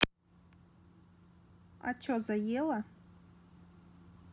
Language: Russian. а че заело